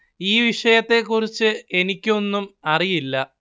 ഈ വിഷയത്തെക്കുറിച്ച് എനിക്ക് ഒന്നും അറിയില്ല